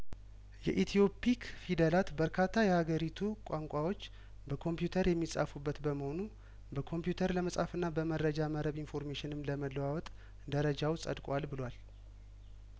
የኢትዮ ፒክ ፊደላት በርካታ ያገሪቱ ቋንቋዎች በኮምፒውተር የሚጻፉበት በመሆኑ በኮምፒውተር ለመጻፍና በመረጃ መረብ ኢንፎርሜሽንን ለመለዋወጥ ደረጃው ጸድቋል ብሏል